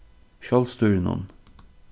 sjálvstýrinum